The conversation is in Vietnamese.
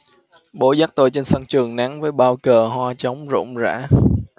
bố dắt tôi trên sân trường nắng với bao cờ hoa trống rộn rã